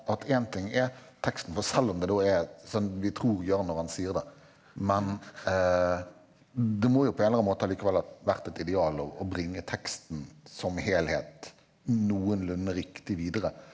at én ting er teksten for selv om det da er et sånn vi tror Jørn når han sier det men det må jo på en eller annen måte likevel ha vært et ideal å å bringe teksten som helhet noenlunde riktig videre.